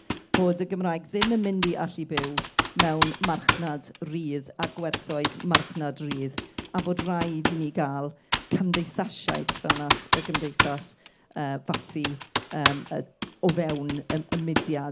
Bod y Gymraeg ddim yn mynd i allu byw mewn marchnad rydd â gwerthoedd marchnad rydd, a bod raid i ni gael cymdeithasiaeth fel wnaeth y gymdeithas yy fathu yym yy o fewn y y mudiad.